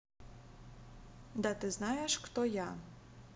да ты знаешь кто я